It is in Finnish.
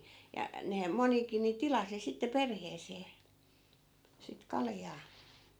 ja nehän monikin niin tilasi sitten perheeseen sitten kaljaa